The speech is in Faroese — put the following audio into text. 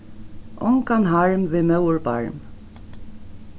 ongan harm við móðurbarm